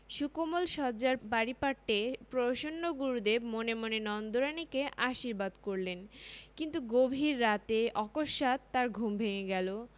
সুকোমল শয্যার পারিপাট্যে প্রসন্ন গুরুদেব মনে মনে নন্দরানীকে আশীর্বাদ করলেন কিন্তু গভীর রাতে অকস্মাৎ তাঁর ঘুম ভেঙ্গে গেল